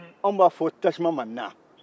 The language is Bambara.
anw b'a fɔ tasuma ma na